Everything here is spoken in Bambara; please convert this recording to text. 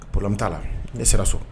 P bɛ t'a la e sera so